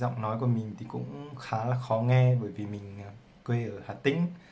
giọng nói của mình cũng hơi khó nghe vì mình quê ở hà tĩnh